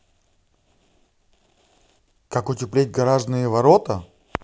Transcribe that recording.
как утеплить гаражные ворота